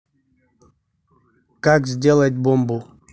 как сделать бомбу